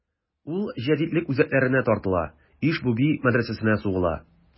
Ул җәдитлек үзәкләренә тартыла: Иж-буби мәдрәсәсенә сугыла.